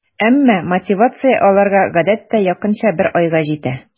Әмма мотивация аларга гадәттә якынча бер айга җитә.